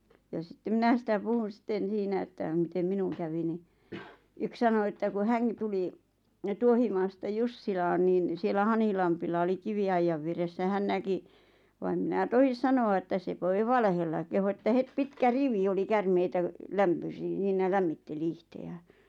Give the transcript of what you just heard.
ja sitten minä sitä puhun sitten siinä että miten minun kävi niin yksi sanoi että kun hänkin tuli Tuohimaasta Jussilaan niin siellä Hanhilammella oli kiviaidan vieressä hän näki vaan en minä tohdi sanoa että se voi valehdella kehui että heti pitkä rivi oli käärmeitä - siinä lämmitteli itseään